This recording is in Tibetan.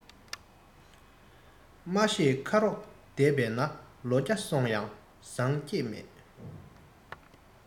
མ ཤེས ཁ རོག བསྡད པས ན ལོ བརྒྱ སོང ཡང བཟང བསྐྱེད མེད